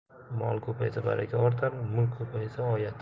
mol ko'paysa barakat ortar mulla ko'paysa oyat